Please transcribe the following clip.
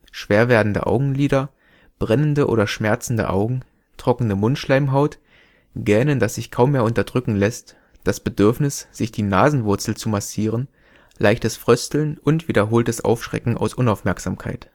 schwer werdende Augenlider, brennende oder schmerzende Augen, trockene Mundschleimhaut, Gähnen, das sich kaum mehr unterdrücken lässt, das Bedürfnis, sich die Nasenwurzel zu massieren, leichtes Frösteln, wiederholtes Aufschrecken aus Unaufmerksamkeit